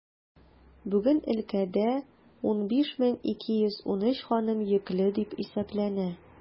Бүген өлкәдә 15213 ханым йөкле дип исәпләнә.